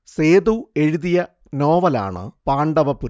സേതു എഴുതിയ നോവലാണ് പാണ്ഡവപുരം